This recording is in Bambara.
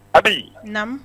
Abi naamu